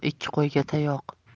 ikki qo'yga tayoq